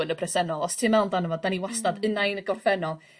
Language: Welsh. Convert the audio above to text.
yn y presennol os ti'n meddwl amdano fo 'dan ni wastad unai yn y gorffennol